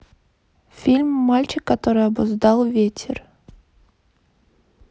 фильм мальчик который обуздал ветер